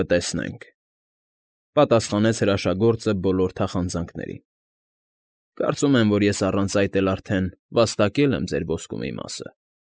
Կտեսնենք,֊ պատասխանեց հրաշագործը բոլոր թախանձնանքներին։֊ Կարծում եմ, որ ես առանց այդ էլ արդեն վաստակել եմ ձեր ոսկու մի մասը։